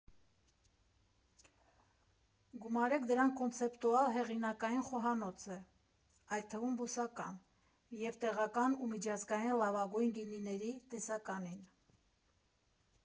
Գումարեք դրան կոնցեպտուալ հեղինակային խոհանոցը (այդ թվում՝ բուսական) և տեղական ու միջազգային լավագույն գինիների տեսականին։